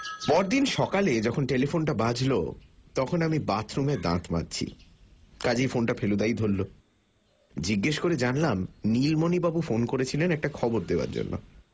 পরদিন সকালে যখন টেলিফোনটা বাজল তখন আমি বাথরুমে দাঁত মাজছি কাজেই ফোনটা ফেলুদাই ধরল জিজ্ঞেস করে জানলাম নীলমণিবাবু ফোন করেছিলেন একটা খবর দেওয়ার জন্য